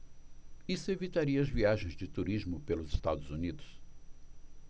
isso evitaria as viagens de turismo pelos estados unidos